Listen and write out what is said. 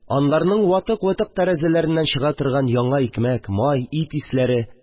Анларның ватык-вотык тәрәзәләреннән чыга торган яңа икмәк, май, ит исләре